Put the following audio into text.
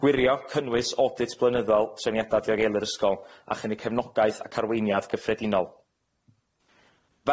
Gwirio cynnwys audit blynyddol trefniada diogelu'r ysgol a chynnig cefnogaeth ac arweiniad cyffredinol.